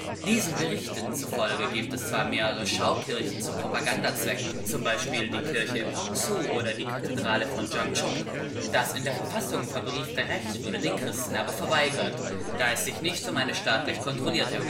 Diesen Berichten zufolge gibt es zwar mehrere Schaukirchen zu Propagandazwecken (z. B. die Kirche Pongsu oder die Kathedrale von Jangchung), das in der Verfassung verbriefte Recht würde den Christen aber verweigert, da es sich nicht um eine staatlich kontrollierte